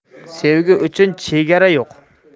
sevgi uchun chegara yo'q